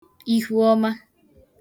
ihuọma